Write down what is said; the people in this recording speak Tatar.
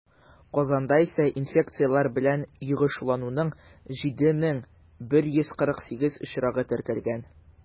Казанда исә инфекцияләр белән йогышлануның 7148 очрагы теркәлгән.